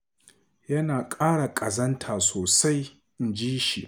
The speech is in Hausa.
“Yana ƙara ƙazanta sosai,” inji shi.